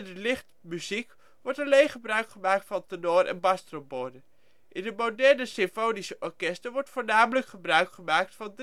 licht muziek wordt alleen gebruik gemaakt van tenor - en bastrombone. In de moderne symfonische orkesten wordt voornamelijk gebruik gemaakt van